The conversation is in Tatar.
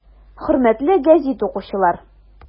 Хөрмәтле гәзит укучылар!